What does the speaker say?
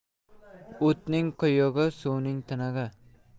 o'tning quyug'i suvning tinig'i